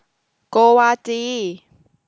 โกวาจี